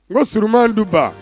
N surunman du ban